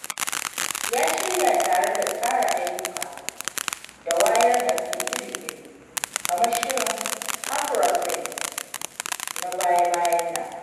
Ya shirya tare da tsara ayyuka da wayar da kai iri-iri, kamar shirin 'AfroCine' na baya-bayan nan.